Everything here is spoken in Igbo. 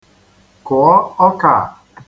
Kụọ ọka a.